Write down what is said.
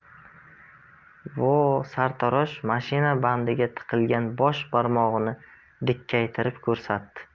vo sartarosh mashina bandiga tiqilgan bosh barmog'ini dikkaytirib ko'rsatdi